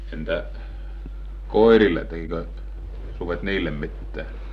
entä koirille tekikö sudet niille mitään